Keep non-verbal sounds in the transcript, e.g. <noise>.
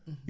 <hesitation> <hesitation>